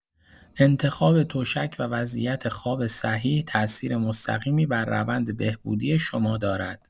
انتخاب تشک و وضعیت خواب صحیح تاثیر مستقیمی بر روند بهبودی شما دارد.